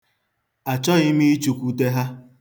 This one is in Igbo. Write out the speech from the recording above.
Achọghị m chụkwute ha.